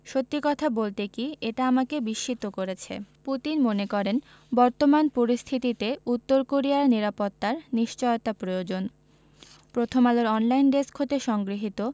সত্যি কথা বলতে কি এটা আমাকে বিস্মিত করেছে পুতিন মনে করেন বর্তমান পরিস্থিতিতে উত্তর কোরিয়ার নিরাপত্তার নিশ্চয়তা প্রয়োজন প্রথমআলোর অনলাইন ডেস্ক হতে সংগৃহীত